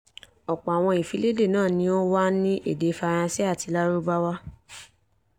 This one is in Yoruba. Ọ̀pọ̀ àwọn ìfiléde náà ni wọ́n wà ní èdè Faransé àti Lárúbáwá.